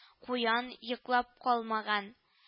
Куян йоклап калмаган